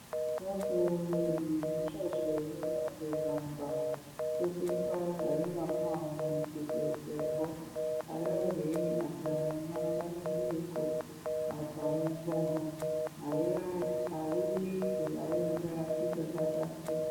Wọ́n fi ohun èlò ìmúṣẹ́ṣe onígbàjọ-gbangba ti Shilpa Sayura fún àwọn olùpèsè ètò ẹ̀kọ́ aláìwérè àti àwọn Nansala ìgbèríko, ààtò àwọn gbọ̀ngàn ìráàyèsí ayélujára tí ìjọba dá sílẹ̀.